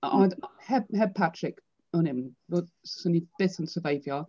Ond heb heb Patrick ŵn i'm. Wel, 'swn i byth yn syrfeifio.